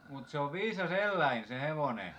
mutta se on viisas eläin se hevonen